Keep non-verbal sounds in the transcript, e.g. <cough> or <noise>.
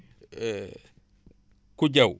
<hesitation> Koudiao